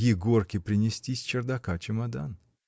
Егорке принести с чердака чемодан?